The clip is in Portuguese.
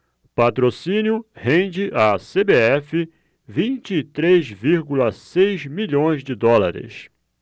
patrocínio rende à cbf vinte e três vírgula seis milhões de dólares